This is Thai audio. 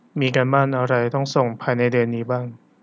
มีการบ้านอะไรต้องส่งภายในเดือนนี้บ้าง